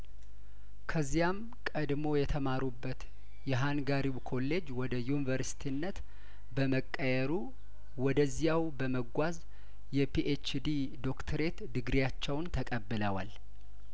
ከዚያም ቀድሞ የተማሩ በት የሀንጋሪው ኮሌጅ ወደ ዩንቨርስቲነት በመቀየሩ ወደዚያው በመጓዝ የፒኤችዲ ዶክትሬት ዲግሪያቸውን ተቀብለዋል